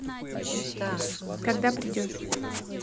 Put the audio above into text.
когда придешь